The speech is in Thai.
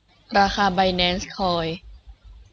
ราคาไบแนนซ์คอย